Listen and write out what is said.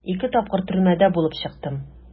Ике тапкыр төрмәдә булып чыктым.